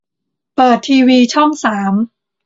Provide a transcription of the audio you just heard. เปิดทีวีช่องสาม